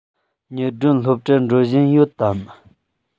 ཉི སྒྲོན སློབ གྲྭར འགྲོ བཞིན ཡོད དམ